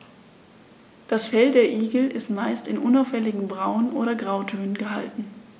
Das Fell der Igel ist meist in unauffälligen Braun- oder Grautönen gehalten.